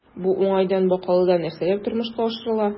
Бу уңайдан Бакалыда нәрсәләр тормышка ашырыла?